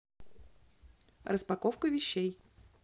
распаковка вещей